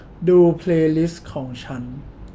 ดูเพลลิสท์ของฉัน